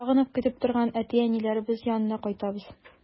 Сагынып көтеп торган әти-әниләребез янына кайтабыз.